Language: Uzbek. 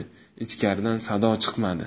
ichkaridan sado chiqmadi